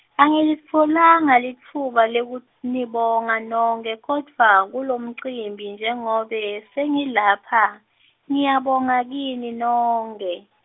Angilitfolanga litfuba leku- nibonga nonkhe kodwva, kulomcimbi njengobe sengilapha, ngiyabonga kini nonkhe.